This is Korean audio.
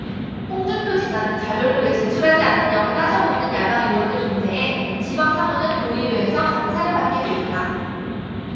홍준표 지사는 자료를 왜 제출하지 않느냐고 따져 묻는 야당 의원들 공세에 지방 사무는 도의회에서 감사를 받게 돼 있다